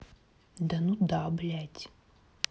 да ну да блять